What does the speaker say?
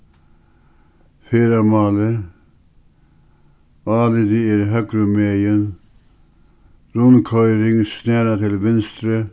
ferðamálið álitið er høgrumegin rundkoyring snara til vinstru